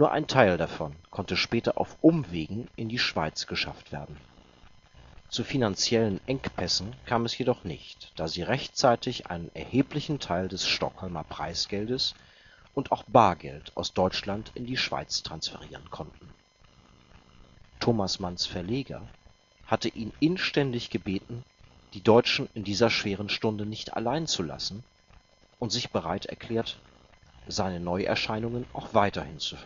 ein Teil davon konnte später auf Umwegen in die Schweiz geschafft werden. Zu finanziellen Engpässen kam es jedoch nicht, da sie rechtzeitig einen erheblichen Teil des Stockholmer Preisgeldes und auch Bargeld aus Deutschland in die Schweiz transferieren konnten. Thomas Manns Verleger hatte ihn inständig gebeten, die Deutschen in dieser schweren Stunde nicht alleinzulassen, und sich bereit erklärt, seine Neuerscheinungen auch weiterhin zu